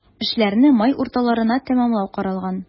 Эшләрне май урталарына тәмамлау каралган.